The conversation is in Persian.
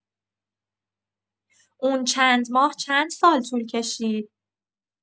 اون چند ماه چند سال طول کشید؟